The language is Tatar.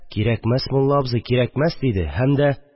«кирәкмәс, мулла абзый, кирәкмәс!» – диде һәм дә,